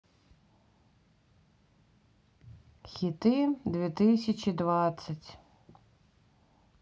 хиты две тысячи двадцать